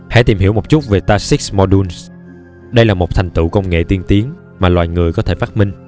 hãy tìm hiểu một chút về stasis modules đây là một thành tựu công nghệ tiên tiến mà loài người có thể phát minh